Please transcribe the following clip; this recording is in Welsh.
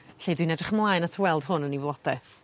'Lly dwi'n edrych ymlaen at weld hwn yn 'i flode.